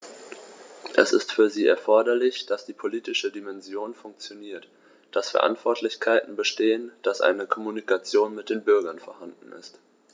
Es ist für sie erforderlich, dass die politische Dimension funktioniert, dass Verantwortlichkeiten bestehen, dass eine Kommunikation mit den Bürgern vorhanden ist.